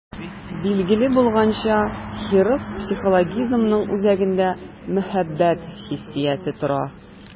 Билгеле булганча, хирыс психологизмының үзәгендә мәхәббәт хиссияте тора.